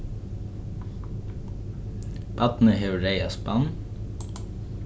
barnið hevur reyða spann